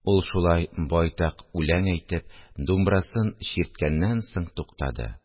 Ул шулай байтак үләң әйтеп думбрасын чирткәннән соң туктады